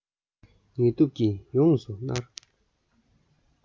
ངལ དུབ ཀྱིས ཡོངས སུ མནར